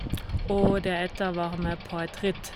Og deretter være med på et ritt.